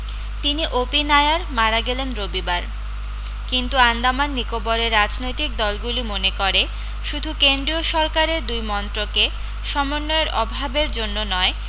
তিনি O P Nair মারা গেলেন রবিবার কিন্তু আন্দামান নিকোবরের রাজনৈতিক দলগুলি মনে করে শুধু কেন্দ্রীয় সরকারের দুই মন্ত্রকে সমন্বয়ের অভাবের জন্য নয়